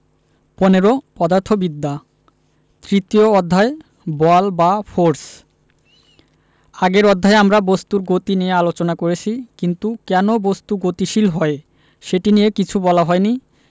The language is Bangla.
১৫ পদার্থবিদ্যা তৃতীয় অধ্যায় বল বা ফোরস আগের অধ্যায়ে আমরা বস্তুর গতি নিয়ে আলোচনা করেছি কিন্তু কেন বস্তু গতিশীল হয় সেটি নিয়ে কিছু বলা হয়নি